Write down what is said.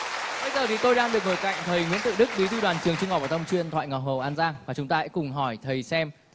bây giờ thì tôi đang ngồi cạnh thầy nguyễn tự đức bí thư đoàn trường trung học phổ thông chuyên thoại ngọc hầu an giang và chúng ta hãy cùng hỏi thầy xem